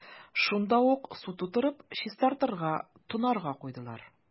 Шунда ук су тутырып, чистарырга – тонарга куйдылар.